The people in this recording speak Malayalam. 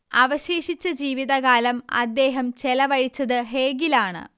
അവശേഷിച്ച ജീവിതകാലം അദ്ദേഹം ചെലവഴിച്ചത് ഹേഗിലാണ്